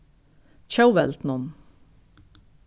tjóðveldinum